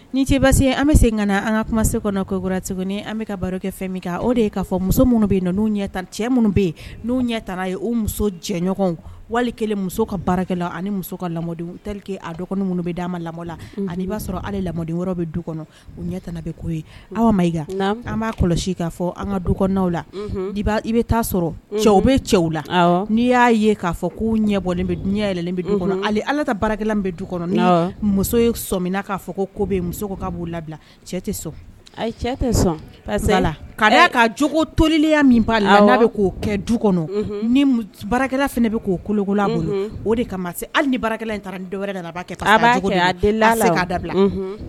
Ni ce basi an bɛ se ka na an ka kuma se kɔnɔkurase an bɛ ka baro kɛ fɛn min o de muso minnu bɛ yen n ɲɛ cɛ minnu bɛ yen n' ɲɛ taara ye o muso jɛɲɔgɔnw wali muso ka bara ani muso ka lamɔke a dɔgɔnin minnu bɛ' an ma lamɔla ani b'a sɔrɔ ala la lamɔden bɛ du kɔnɔ ɲɛ bɛ ko aw ma an b'a kɔlɔsi k kaa fɔ an ka duw la i bɛ taa sɔrɔ cɛw bɛ cɛw la n'i y'a ye k'a fɔ ko ɲɛlenlen bɛ du ala bara bɛ du kɔnɔ muso ye sɔmina'a fɔ ko ko bɛ muso' b'u labila cɛ tɛ sɔn ka ka jo toliya min b'a la n'a k'o kɛ du kɔnɔ ni barakɛla fana bɛ k'o kologola bolo o de kama se hali ni bara dɔwɛrɛ da